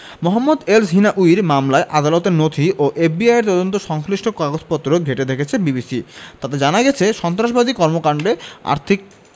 মোহাম্মদ এলসহিনাউয়ির মামলায় আদালতের নথি ও এফবিআইয়ের তদন্ত সংশ্লিষ্ট কাগজপত্র ঘেঁটে দেখেছে বিবিসি তাতে জানা গেছে সন্ত্রাসবাদী কর্মকাণ্ডে আর্থিক